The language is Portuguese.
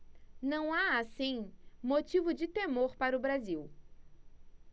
não há assim motivo de temor para o brasil